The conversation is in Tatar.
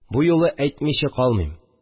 Бу юлы әйтмичә калмыйм